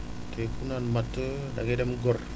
te ku naan matt da ngay dem gor